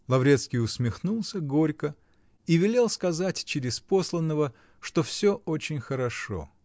Лаврецкий усмехнулся горько и велел сказать через посланного, что все очень хорошо.